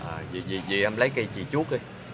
à vậy vậy em lấy cây chì chuốt đi